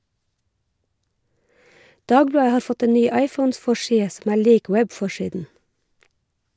Dagbladet har fått ny iPhoneforside som er lik webforsiden.